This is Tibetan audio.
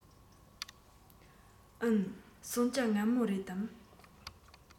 འུན གསོལ ཇ མངར མོ རེད དམ